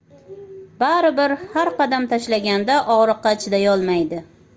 bari bir har qadam tashlaganda og'riqqa chidayolmaydi